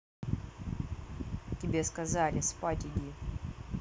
тебе сказали спать иди